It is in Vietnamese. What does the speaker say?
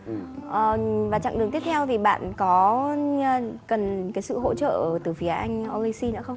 ờ và chặng đường tiếp theo thì bạn có cần cái sự hỗ trợ từ phía anh o li xi nữa không